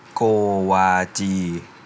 โกวาจี